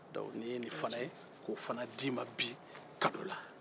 donke nin ye nin fana k'o d'i ma kado la